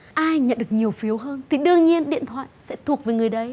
ai nhận được nhiều phiếu hơn thì đương nhiên điện thoại sẽ thuộc về người đấy